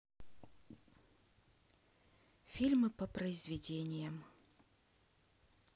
фильмы по произведениям